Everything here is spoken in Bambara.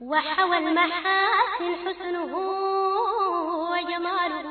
Wadu furu wadudo